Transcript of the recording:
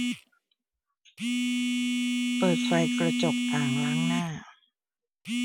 เปิดไฟกระจกอ่างล้างหน้า